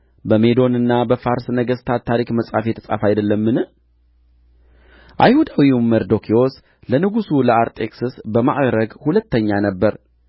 በሜዶንና በፋርስ ነገሥታት ታሪክ መጽሐፍ የተጻፈ አይደለምን አይሁዳዊውም መርዶክዮስ ለንጉሡ ለአርጤክስስ በማዕርግ ሁለተኛ ነበረ